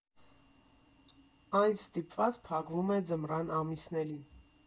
Այն ստիպված փակվում է ձմռան ամիսներին։